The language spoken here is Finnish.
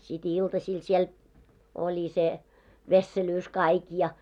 sitten iltasilla siellä oli se vesselyys kaikki ja